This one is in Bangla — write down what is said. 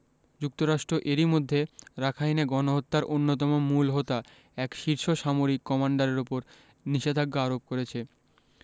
যুক্তরাষ্ট্র এরই মধ্যে রাখাইনে গণহত্যার অন্যতম মূল হোতা এক শীর্ষ সামরিক কমান্ডারের ওপর নিষেধাজ্ঞা আরোপ করেছে